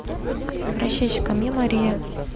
обращайся ко мне мария